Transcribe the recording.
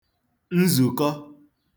nzùkọ